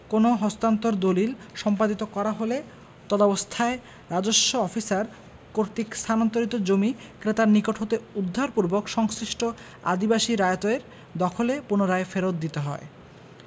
কোনও হস্তান্তর দলিল সম্পাদিত করা হলে তদবস্থায় রাজস্ব অফিসার কর্তৃক স্থানান্তরিত জমি ক্রেতার নিকট হতে উদ্ধারপূর্বক সংশ্লিষ্ট আদিবাসী রায়তের দখলে পুনরায় ফেরৎ দিতে হয়